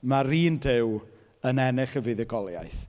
Mae'r un Duw yn ennill y fuddugoliaeth.